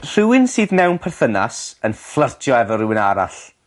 Rhywun sydd mewn perthynas yn fflyrtio efo rywun arall.